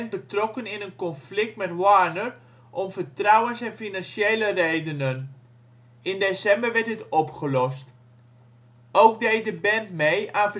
betrokken in een conflict met Warner om vertrouwens en financiële redenen. In december werd dit opgelost. Ook deed de band mee aan verschillende